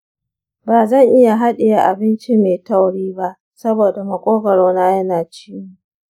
ba zan iya haɗiye abinci mai tauri ba saboda maƙogwarona yana ciwo.